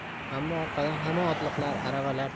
ammo orqadan hamon otliqlar aravalar